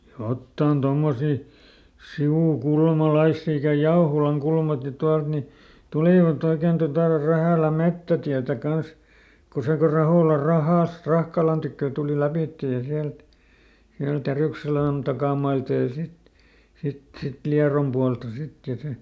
jotakin tuommoisia sivukulmalaisia ikänä Jauholankulmakin tuolta niin tulivat oikein tuota Rähälän metsätietä kanssa kun se kun Raholan rahasta Rahkalan tykö tuli lävitse ja sieltä sieltä Järykselän takamailta ja sitten sitten sitten Liedon puolta sitten ja sitten